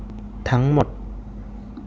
ทั้งหมด